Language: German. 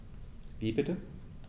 Wie bitte?